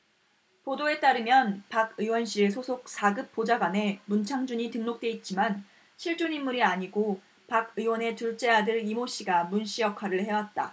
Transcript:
보도에 따르면 박 의원실 소속 사 급 보좌관에 문창준이 등록돼 있지만 실존 인물이 아니고 박 의원의 둘째 아들 이모 씨가 문씨 역할을 해왔다